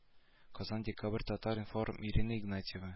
Казан декабрь татар-информ ирина игнатьева